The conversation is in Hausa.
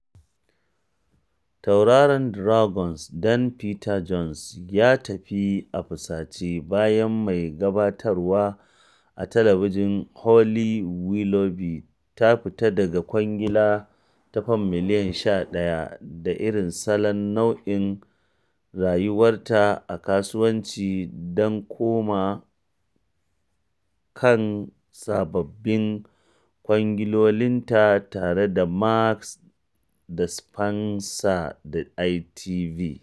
Tauraron Dragons Den Peter Jones ya tafi a 'fusace' bayan mai gabatarwa a talabijin Holly Willoughby ta fita daga kwangila ta Fam miliyan 11 da irin salon nau’in rayuwarta ta kasuwanci don koma kan sababbin kwangilolinta tare da Marks da Spencer da ITV